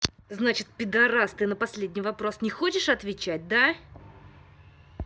значит пидорасты на последний вопрос не хочешь отвечать да